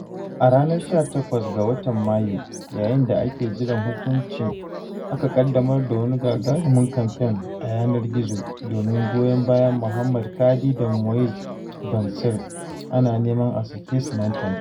A ranar 18 ga watan Mayu, yayin da ake jiran hukuncin, aka ƙaddamar da wani gagarumar kamfen a yanar gizo domin goyon bayan Mohand Kadi da Moez Benncir, ana neman a sake su nan take.